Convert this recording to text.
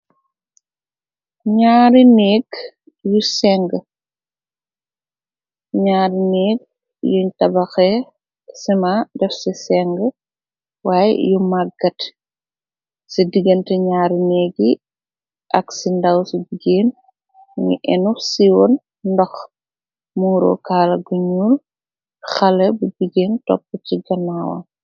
Gñaari neeg yuñ tabaxe sima def ci seng waay yu maggat ci digante ñaari neegi ak si ndaw ci bigeen ni enuf siwoon ndox muoro kaala guñul xala bu biggeen topp ci ganaawa.